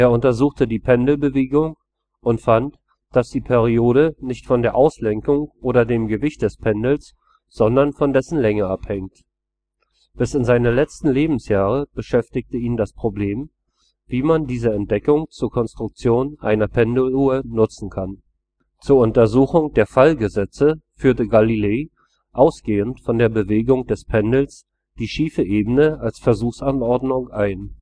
untersuchte die Pendelbewegung und fand, dass die Periode nicht von der Auslenkung oder dem Gewicht des Pendels, sondern von dessen Länge abhängt. Bis in seine letzten Lebensjahre beschäftigte ihn das Problem, wie man diese Entdeckung zur Konstruktion einer Pendeluhr nutzen kann. Zur Untersuchung der Fallgesetze führte Galilei, ausgehend von der Bewegung des Pendels, die schiefe Ebene als Versuchsanordnung ein